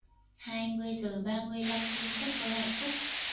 hai mươi giờ ba mươi lăm phim giấc mơ hạnh phúc